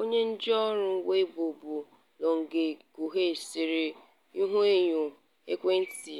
Onye njiarụ Weibo bụ́ Long Zhigao sere ihuenyo ekwentị